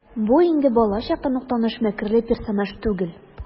Бу инде балачактан ук таныш мәкерле персонаж түгел.